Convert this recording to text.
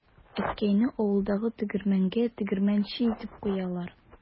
Әткәйне авылдагы тегермәнгә тегермәнче итеп куялар.